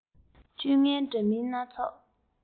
སྤྱོད ངན འདྲ མིན སྣ ཚོགས